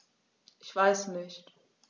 Ich weiß nicht.